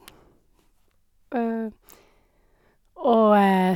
Og...